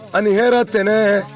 Ani ni hɛrɛ tɛnɛ